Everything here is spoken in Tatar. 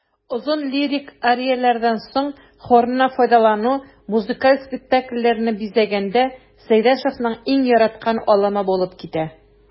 Озын лирик арияләрдән соң хорны файдалану музыкаль спектакльләрне бизәгәндә Сәйдәшевнең иң яраткан алымы булып китә.